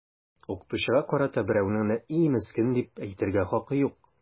Укытучыга карата берәүнең дә “и, мескен” дип әйтергә хакы юк!